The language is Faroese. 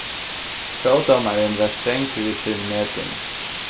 próvdómarin var strangur í síni meting